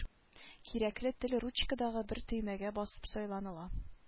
Кирәкле тел ручкадагы бер төймәгә басып сайланыла